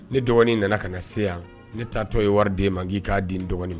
Ne dɔgɔnin nana ka na se yan ne t'atɔ ye wari den ma k'i k'a di dɔgɔnin ma